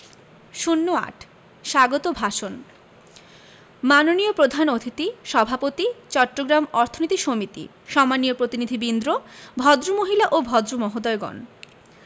০৮ স্বাগত ভাষণ মাননীয় প্রধান অতিথি সভাপতি চট্টগ্রাম অর্থনীতি সমিতি সম্মানীয় প্রতিনিধিবিন্দ্র ভদ্রমহিলা ও ভদ্রমহোদয়গণ